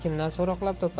kimdan so'roqlab topadi